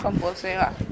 compos fe waaw,